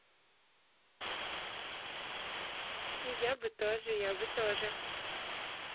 я бы тоже я бы тоже